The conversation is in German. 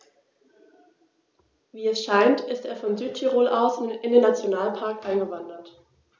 Wie es scheint, ist er von Südtirol aus in den Nationalpark eingewandert.